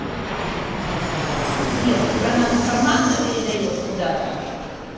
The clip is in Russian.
сбер ты про нас информацию передаешь куда то